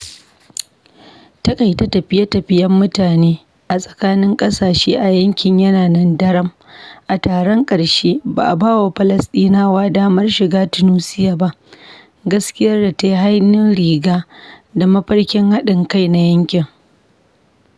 Taƙaita tafiye-tafiyen mutane a tsakanin ƙasashe a yankin yana nan daram (a taron ƙarshe, ba a ba wa Falasɗinawa damar shiga Tunisiya ba), gaskiyar da tayi hannun riga da mafarkin haɗin kai na yankin.